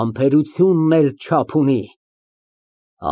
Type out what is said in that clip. Համբերությունն էլ չափ ունի։